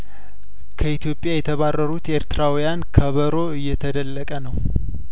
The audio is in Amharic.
ከኢትዮጵያ የተባረሩት ኤርትራውያን ከበሮ እየተደለቀ ነው